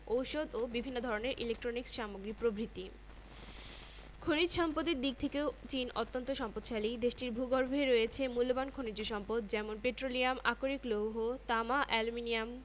দেশটির রাজধানী নয়াদিল্লী পৃথিবীর প্রাচীন ও সভ্যতার নিদর্শন পাওয়া গেছে এ দেশটিতে দক্ষিন ভারতে অজন্তা পর্বতগুহার চিত্রকর্ম সারা দেশে ছড়িয়ে থাকা অজস্র প্রাচীন মন্দির ও ভাস্কর্য